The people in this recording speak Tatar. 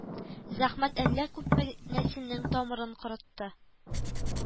Зәхмәт әллә күпме нәселнең тамырын корытты